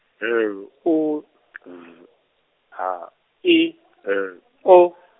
L U, V, H I L O.